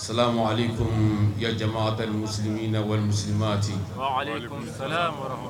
Salama alekum yaa jamaal muslimiina wal mislimaat